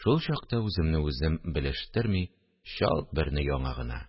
Шул чакта үземне үзем белештерми чалт берне яңагына